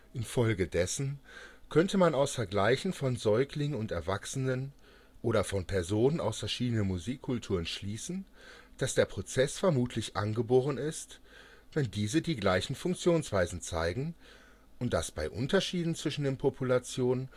Infolgedessen könnte man aus Vergleichen von Säuglingen und Erwachsenen oder von Personen aus verschiedenen Musikkulturen schließen, dass der Prozess vermutlich angeboren ist, wenn diese die gleichen Funktionsweisen zeigen, und dass bei Unterschieden zwischen den Populationen